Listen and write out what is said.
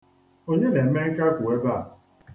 Onye na-eme nkakwu ebe a?